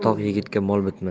toq yigitga mol bitmas